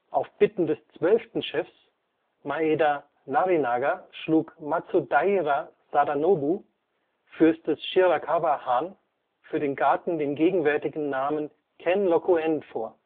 Auf Bitten des 12. Chefs, Maeda Narinaga, schlug Matsudaira Sadanobu, Fürst des Shirakawa-Han, für den Garten den gegenwärtigen Namen " Kenroku-en " vor